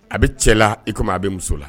A bɛ cɛ la i kama a bɛ muso la